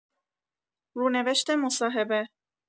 رونوشت مصاحبه